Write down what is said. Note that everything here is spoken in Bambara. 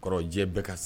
Kɔrɔ diɲɛ bɛɛ ka s